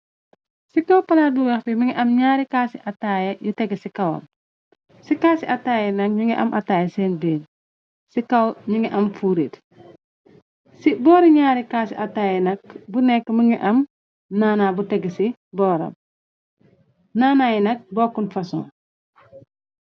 Si kaw palat bu weex bi mingi am nyaari kaas si ataya yu tege si kawam, si kaasi ataya yi nak, nyingi am ataya si sen biir, si kaw nyingi am furit, si boori nyaari kaasi atatya yi nak, bu nekk mingi am nana bu tege si booram, nana yi nak bokunj fason.